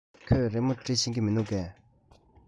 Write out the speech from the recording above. ཁོས རི མོ འབྲི ཤེས ཀྱི མིན འདུག གས